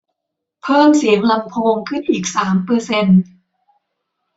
เพิ่มเสียงลำโพงขึ้นอีกสามเปอร์เซ็นต์